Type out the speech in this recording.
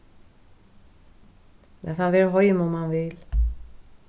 lat hann verða heima um hann vil